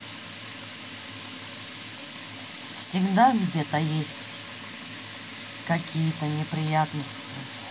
всегда где то есть какие то неприятности